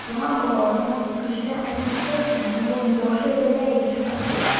Тома балавызның көчле антисептик булуын яхшы белә Илшат.